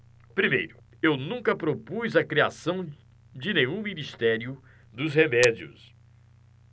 primeiro eu nunca propus a criação de nenhum ministério dos remédios